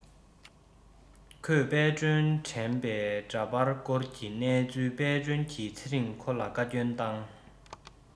ཁོས དཔལ སྒྲོན དྲན པའི འདྲ པར བསྐོར གྱི གནས ཚུལ དཔལ སྒྲོན གྱི ཚེ རིང ཁོ ལ བཀའ བསྐྱོན བཏང